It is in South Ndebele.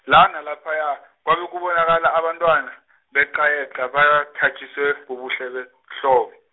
la nalaphaya, kwabe kubonakala abantwana, beqayeqa bathatjiswe, bubuhle, behlobo.